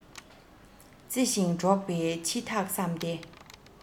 བརྩེ ཞིང འགྲོགས པའི ཕྱི ཐག བསམ སྟེ